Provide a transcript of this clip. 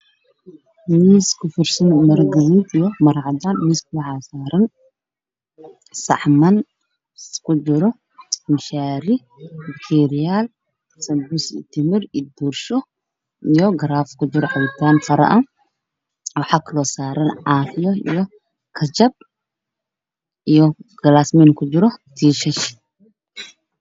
Waa miis uu ku fidsanyahay maro gaduud ah waxaa saran saxamaan ku jiraan minshaariyo